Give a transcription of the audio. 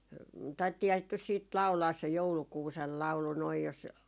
taidettiinhan sitä nyt sitten laulaa se joulukuusen laulu noin jos